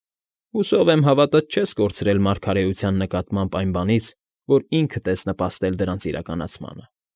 Հուսով եմ, հավատդ չես կորցրել մարգարեության նկատմամբ այն բանից, որ ինքդ ես նպաստել դրանց իրականացմանը։